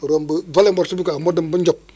romb valllée morte bi quoi moo dem ba Ndiob